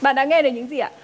bạn đã nghe được những gì ạ